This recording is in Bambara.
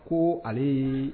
Ko ale ye